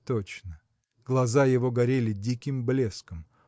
Точно: глаза его горели диким блеском.